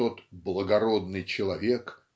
тот "благородный человек"